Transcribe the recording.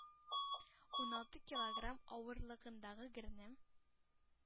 Уналты килограмм авырлыгындагы герне